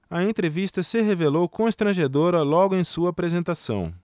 a entrevista se revelou constrangedora logo em sua apresentação